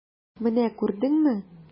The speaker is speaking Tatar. Менә күрдеңме!